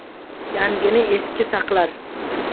yangini eski saqlar